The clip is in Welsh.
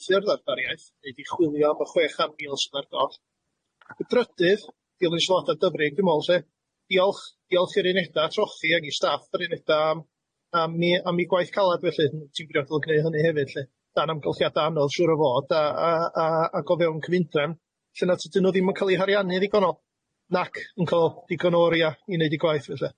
heleuthu ddarbariaeth i chwilio am y chwech chan mis sydd ar goll. Yn drydydd, dilyn sylwada Dyfrig dw' me'l lly, diolch diolch i'r uneda trochi ag i staff yr uneda am am 'i am 'i gwaith calad felly gneud hynny hefyd lly 'dan amgylchiadau anodd siŵr o fod a a a ag o fewn cyfundrefn lle na' tydyn nhw ddim yn ca'l 'i hariannu'n ddigonol nac yn ca'l digon o oria i neud 'i gwaith ella.